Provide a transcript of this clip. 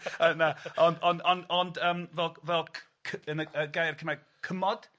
yy na on' on' on' ond yym fel fel c- yn y gair Cymraeg cymod?